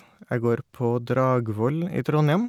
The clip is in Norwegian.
Jeg går på Dragvoll i Trondhjem.